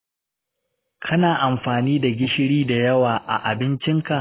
kana amfani da gishiri da yawa a abincinka?